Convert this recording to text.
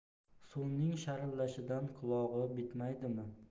suvning sharillashidan qulog'i bitmaydimi